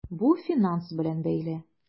Бу финанс белән бәйле.